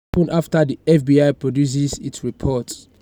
What happens after the FBI produces its report?